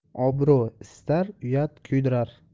obro' isitar uyat kuydirar